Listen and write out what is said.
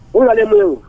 U nalen do ye o